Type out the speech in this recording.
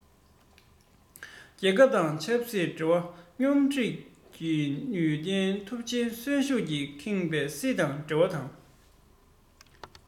རྒྱལ ཁབ ཀྱི ཆབ སྲིད འབྲེལ བ སྙོམས སྒྲིག ནུས ལྡན ཐུབ སྟེ གསོན ཤུགས ཀྱིས ཁེངས པའི སྲིད ཏང འབྲེལ བ དང